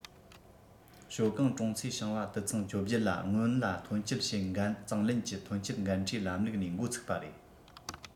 ཞའོ ཀང གྲོང ཚོའི ཞིང པ དུད ཚང ༡༨ ལ སྔོན ལ ཐོན སྐྱེད བྱེད འགན གཙང ལེན གྱི ཐོན སྐྱེད འགན འཁྲིའི ལམ ལུགས ནས འགོ ཚུགས པ རེད